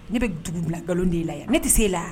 Ne bi dugu bila ngalon da e la yan. Ne ti se e la?